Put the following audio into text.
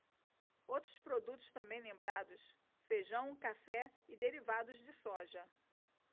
outros produtos também lembrados feijão café e derivados de soja